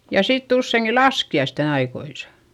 ja sitten useinkin laskiaisten ajoissa